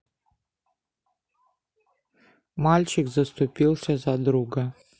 мальчик заступился за друга